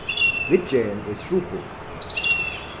viðgerðin er trupul